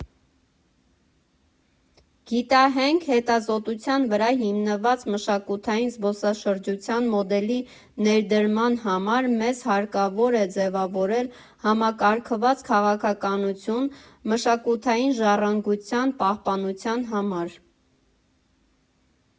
Գիտահենք հետազոտության վրա հիմնված մշակութային զբոսաշրջության մոդելի ներդրման համար մեզ հարկավոր է ձևավորել համակարգված քաղաքականություն՝ մշակութային ժառանգության պահպանության համար։